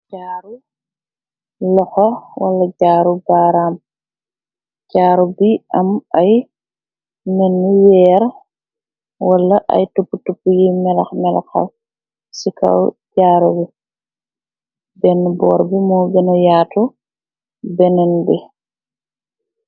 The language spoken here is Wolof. Jaaru loxa wala jaaru baaraam. Jaaru bi am ay menni yeer wala ay tup. Tup yiy melax melaxaw ci kaw jaaru bi benn boor bi mo bëna yaatu benn bi.